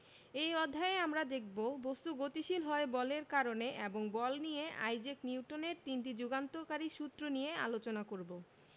এই অধ্যায়ে আমরা দেখব বস্তু গতিশীল হয় বলের কারণে এবং বল নিয়ে আইজাক নিউটনের তিনটি যুগান্তকারী সূত্র নিয়ে আলোচনা করব